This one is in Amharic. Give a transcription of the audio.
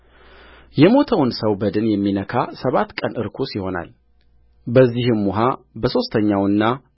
የሞተውን ሰው በድን የሚነካ ሰባት ቀን ርኵስ ይሆናልበዚህም ውኃ በሦስተኛውና